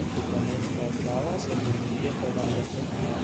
Programmiersprache Java sowie mit ihr verwandter Technik